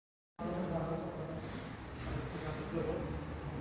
reuterspekin xitoyniqob taqqan sotuvchi xaridorlarni poylamoqda